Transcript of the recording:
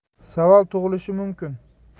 savol tug'ilishi mumkin